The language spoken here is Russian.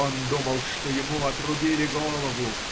Он думал, что ему отрубили голову.